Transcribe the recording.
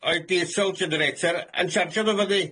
oil diesel generator yn siarjio nw fyny.